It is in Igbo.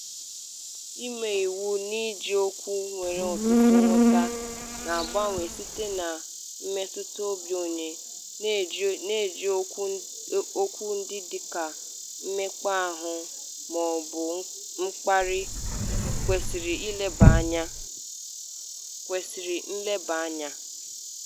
Ime iwu n'iji okwu nwere ọtụtụ nghọta na-agbanwe site na mmetụtaobi onye, na iji okwu ndị dịka ""mmekpa ahụ"" mọọbụ "mkparị"" kwesịrị nlebanye anya.